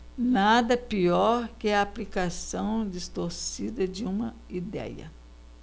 nada pior que a aplicação distorcida de uma idéia